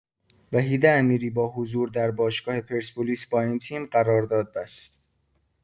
وحید امیری با حضور در باشگاه پرسپولیس با این تیم قرارداد بست.